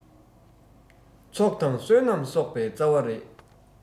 ཚོགས དང བསོད ནམས གསོག པའི རྩ བ རེད